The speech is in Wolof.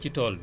waaw